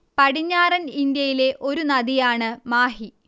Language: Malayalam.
പടിഞ്ഞാറൻ ഇന്ത്യയിലെ ഒരു നദിയാണ് മാഹി